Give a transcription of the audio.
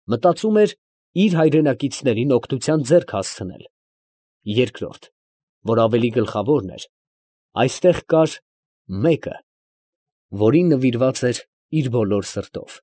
Մտածում էր իր հայրենակիցներին օգնության ձեռք հասցնել. երկրորդ, որ ավելի գլխավորն էր, այստեղ կար «մեկը», որին նվիրված էր իր բոլոր սրտով։